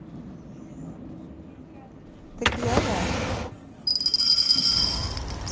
ты клевая